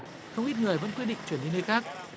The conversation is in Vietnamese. không ít người vẫn quyết định chuyển đi nơi khác